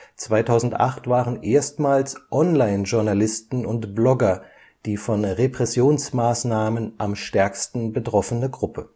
2008 waren erstmals Online-Journalisten und Blogger die von Repressionsmaßnahmen am stärksten betroffene Gruppe